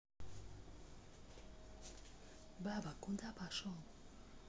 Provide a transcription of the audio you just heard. буба куда пошел